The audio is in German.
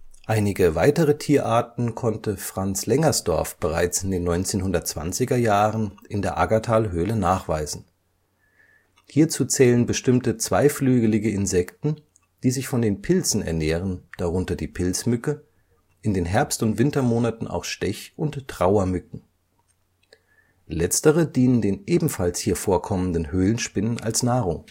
Einige weitere Tierarten konnte Franz Lengersdorf bereits in den 1920er-Jahren in der Aggertalhöhle nachweisen. Hierzu zählen bestimmte zweiflügelige Insekten, die sich von den Pilzen ernähren, darunter die Pilzmücke, in den Herbst - und Wintermonaten auch Stech - und Trauermücken. Letztere dienen den ebenfalls hier vorkommenden Höhlenspinnen als Nahrung